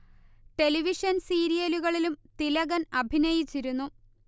television സീരിയലുകളിലും തിലകൻ അഭിനയിച്ചിരുന്നു